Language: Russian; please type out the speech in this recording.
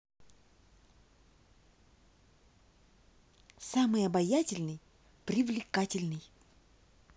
самый обаятельный привлекательный